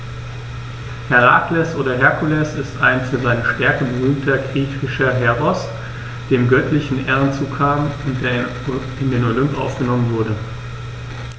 Herakles oder Herkules ist ein für seine Stärke berühmter griechischer Heros, dem göttliche Ehren zukamen und der in den Olymp aufgenommen wurde.